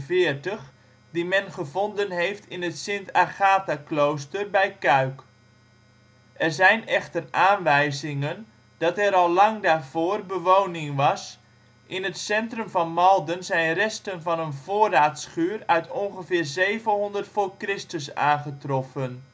1247 die men gevonden heeft in het Sint-Agathaklooster bij Cuijk. Er zijn echter aanwijzingen dat er al lang daarvoor bewoning was; in het centrum van Malden zijn resten van een voorraadschuur uit ongeveer 700 v.Chr. aangetroffen